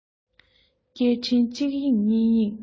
སྐད འཕྲིན གཅིག གཡེང གཉིས གཡེང